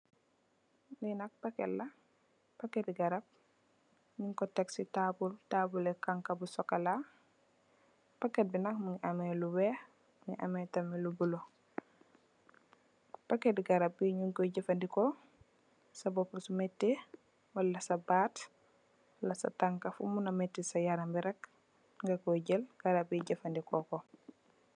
lee nak paket la paketi garap nyung ko tek ci taabul taabuli xanka bu sokola paket bi nak mungi ameh lu weex mingi ameh tamit lu bulo paketu garap bi nyung ko jefandekoo sa bopu suy meti wala sa baat wala sa tanka fum muna meti sisa yarambi rek ngakoy jel garap bi jefandekoko